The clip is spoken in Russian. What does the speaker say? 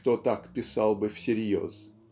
кто так писал бы всерьез.